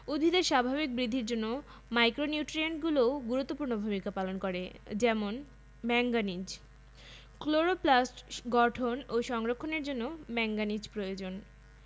চিনি পরিবহনে বোরন পরোক্ষ প্রভাব বিস্তার করে মোলিবডেনাম অণুজীব দিয়ে বায়বীয় নাইট্রোজেন সংবন্ধনের জন্য মোলিবডেনাম আবশ্যক